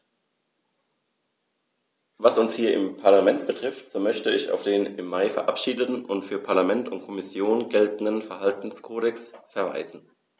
Was uns hier im Parlament betrifft, so möchte ich auf den im Mai verabschiedeten und für Parlament und Kommission geltenden Verhaltenskodex verweisen.